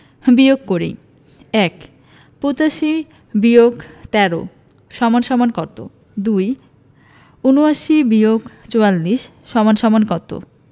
বিয়োগ করিঃ ১ ৮৫-১৩ = কত ২ ৭৯-৪৪ = কত